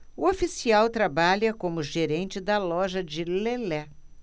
o oficial trabalha como gerente da loja de lelé